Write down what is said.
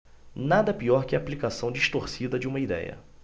nada pior que a aplicação distorcida de uma idéia